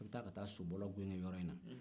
i bɛ taa sobɔlɔ gingin yɔrɔ in na